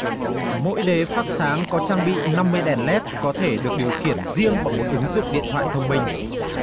mỗi đế phát sáng có trang bị năm mươi đèn lét có thể được điều khiển riêng bằng một ứng dụng điện thoại thông minh